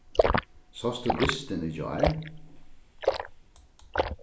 sást tú dystin í gjár